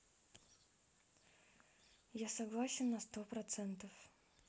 я согласен на сто процентов